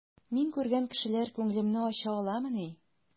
Мин күргән кешеләр күңелемне ача аламыни?